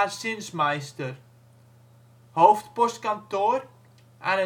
Zinsmeister. Hoofdpostkantoor aan